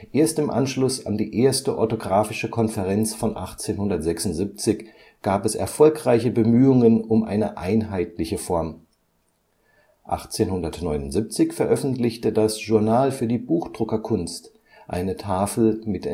Erst im Anschluss an die I. Orthographische Konferenz von 1876 gab es erfolgreiche Bemühungen um eine einheitliche Form. 1879 veröffentlichte das Journal für die Buchdruckerkunst eine Tafel mit